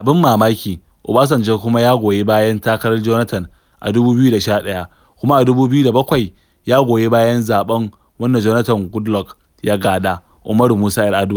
Abin mamaki, Obasanjo kuma ya goyi bayan takarar Jonathan a 2011. Kuma a 2007, ya goyi bayan zaɓen wanda Jonathan Goodluck ya gada, Umaru Musa 'Yar'aduwa.